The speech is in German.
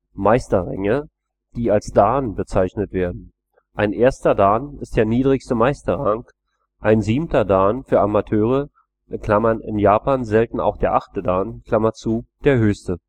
Meisterränge, die als Dan bezeichnet werden; ein 1. Dan ist der niedrigste Meisterrang, ein 7. Dan für Amateure (in Japan selten auch der 8. Dan) der höchste